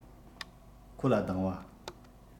ཁོ ལ སྡང བ